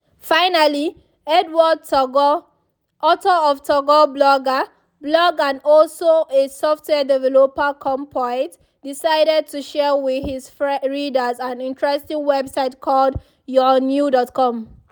Finally, Edward Tagoe, author of Tagoe Blogger blog and also a software developer-cum-poet, decided to share with his readers an interesting website called YOURENEW.COM.